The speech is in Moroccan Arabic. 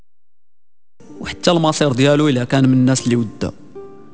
وقت العصير ريال ولا كان من الناس اللي بده